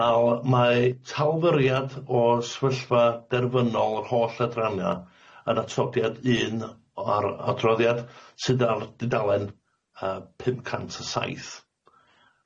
Ma' o mae talfyriad o sefyllfa derfynol yr holl adrana yn atodiad un o ar adroddiad sydd ar dudalen yy pum cant a saith.